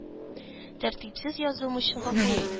Тәртипсез язуым өчен гафу ит.